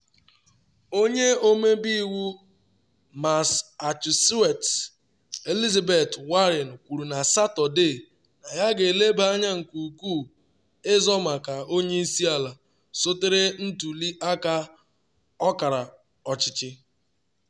Onye ọmebe iwu Massachusettes Elizabeth Warren kwuru na Satọde na ya “ga-elebe anya nke ukwuu” ịzọ maka onye isi ala, sotere ntuli aka ọkara ọchịchị.